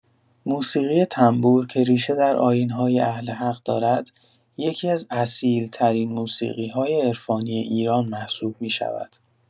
موسیقی تنبور که ریشه در آیین‌های اهل‌حق دارد، یکی‌از اصیل‌ترین موسیقی‌‌های عرفانی ایران محسوب می‌شود.